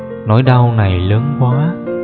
nỗi đau này lớn quá